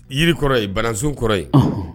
Jiri kɔrɔ ye banaz kɔrɔ ye